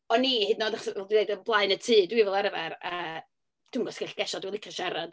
O'n i hyd yn oed, achos fel dwi'n deud, blaen y tŷ dwi fel arfer, a dwi'm yn gwybod os ti'n gallu gesio, dwi'n licio siarad.